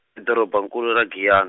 doroba nkulu ra Giyan-.